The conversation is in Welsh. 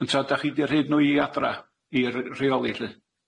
Ond so dach chi di rhoid nw i Adra i rheoli lly?